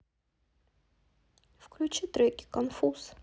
включи треки конфуз